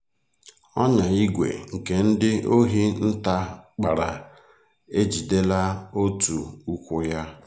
Ọnyà ígwè nke ndị ohi nta kpara ejidela otu ụkwụ ya.